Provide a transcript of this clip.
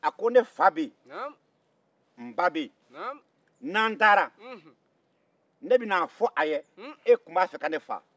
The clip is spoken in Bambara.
a ko ne fa bɛ yen n ba bɛ yen n'an taara ne bɛna f'a ye e tun b'a fɛ ka ne faa